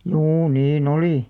juu niin oli